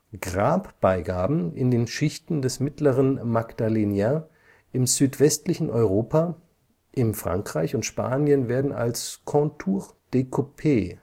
Grabbeigaben in den Schichten des mittleren Magdalénien im südwestlichen Europa, in Frankreich und Spanien werden als contours découpés